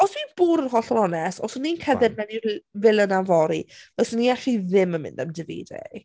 Os dwi'n bod yn hollol onest, os swn i'n cerdded... reit ...i mewn i'r l- villa 'na fory, fyswn i acshyli ddim yn mynd am Davide.